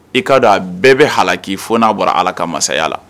I k'a dɔn a bɛɛ bɛ halaki fo n'a bɔra Ala ka mansaya la